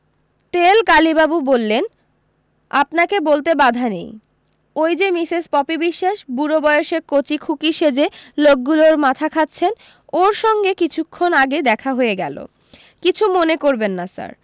তেলকালিবাবু বললেন আপনাকে বলতে বাধা নেই ওই যে মিসেস পপি বিশ্বাস বুড়ো বয়েসে কচি খুকি সেজে লোকগুলোর মাথা খাচ্ছেন ওর সঙ্গে কিছুক্ষণ আগে দেখা হয়ে গেলো কিছু মনে করবেন না স্যার